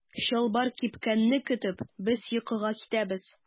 Чалбар кипкәнне көтеп без йокыга китәбез.